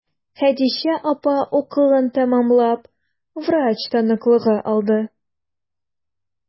Хәдичә апа укуын тәмамлап, врач таныклыгы алды.